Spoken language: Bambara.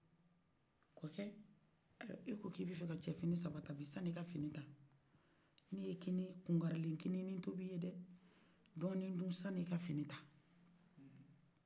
a b'a fɔ kɔ kɛ kɔmu ibina i ka cɛfini sabata ne kunye kini ni kunkarini kini tɔbi ye dɛ dɔni dun san'ika fini ta